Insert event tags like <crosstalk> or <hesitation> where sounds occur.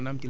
<hesitation> <hesitation>